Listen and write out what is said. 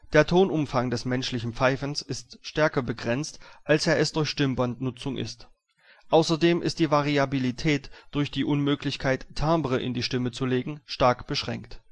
Der Tonumfang des menschlichen Pfeifens ist stärker begrenzt als er es durch Stimmbandnutzung („ Singen “) ist. Außerdem ist die Variabilität durch die Unmöglichkeit, Timbre in die Stimme zu legen, stark beschränkt